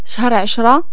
شهر عشرة